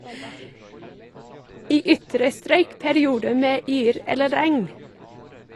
I ytre strøk perioder med yr eller regn.